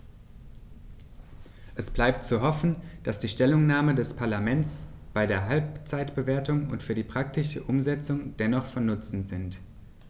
Es bleibt zu hoffen, dass die Stellungnahmen des Parlaments bei der Halbzeitbewertung und für die praktische Umsetzung dennoch von Nutzen sind.